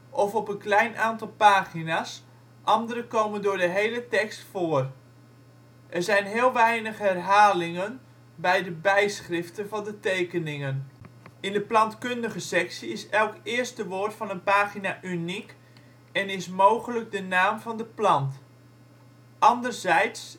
of op een klein aantal pagina 's, andere komen door de hele tekst voor. Er zijn heel weinig herhalingen bij de bijschriften van de tekeningen. In de plantkundige sectie is elk eerste woord van een pagina uniek en is mogelijk de naam van de plant. Anderzijds